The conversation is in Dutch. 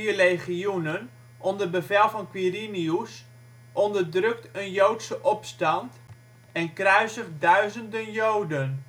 legioenen) onder bevel van Quirinius, onderdrukt een Joodse opstand en kruisigt duizenden Joden